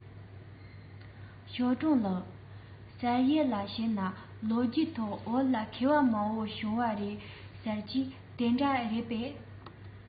ཞའོ ཧྥུང ལགས ཟེར ཡས ལ བྱས ན ལོ རྒྱུས ཐོག བོད ལ མཁས པ མང པོ བྱུང བ རེད ཟེར གྱིས དེ འདྲ རེད པས